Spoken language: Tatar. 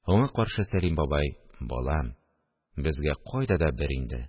Аңа каршы Сәлим бабай: – Балам, безгә кайда да бер инде